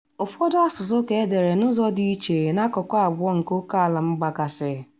Ụfọdụ asụsụ ka edere n’ụzọ dị iche n’akụkụ abụọ nke ókèala mba gasị.